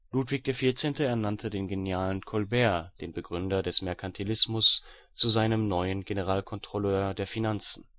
Ludwig XIV. ernannte den genialen Colbert, den Begründer des Merkantilismus, zu seinem neuen „ Generalkontrolleur der Finanzen